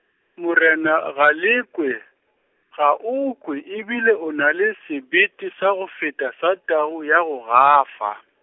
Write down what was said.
morena Galekwe, ga o kwe e bile o na le sebete sa go feta sa tau ya go gafa.